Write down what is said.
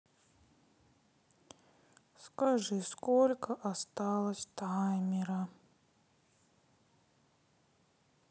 скажи сколько осталось таймера